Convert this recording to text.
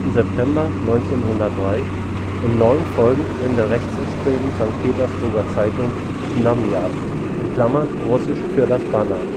September 1903 in neun Folgen in der rechtsextremen Sankt Petersburger Zeitung Snamja (russisch für „ Das Banner